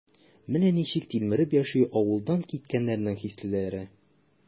Менә ничек тилмереп яши авылдан киткәннәрнең хислеләре?